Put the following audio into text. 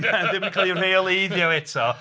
ei rheoleiddio eto.